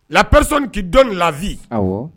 Laprerisi tɛdon laabi ɔwɔ